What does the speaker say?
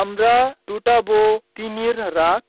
আমরা টুটাব তিমির রাত